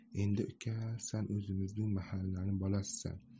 endi uka san o'zimizning mahallani bolasisan